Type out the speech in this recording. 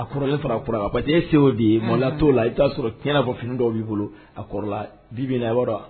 A kɔrɔ ne fara kokura atɛ se de ye mɔlatɔ la i y'a sɔrɔ tiɲɛna bɔ finiini dɔw b'i bolo a kɔrɔ bi a yɔrɔ